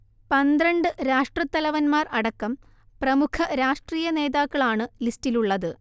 പന്ത്രണ്ട് രാഷ്ട്രത്തലവന്മാർ അടക്കം പ്രമുഖ രാഷ്ട്രീയ നേതാക്കളാണ് ലിസ്റ്റിലുള്ളത്